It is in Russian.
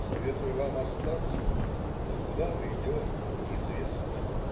- "Советую вам остаться: ну, куда мы идем? Неизвестно.